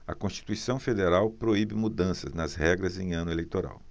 a constituição federal proíbe mudanças nas regras em ano eleitoral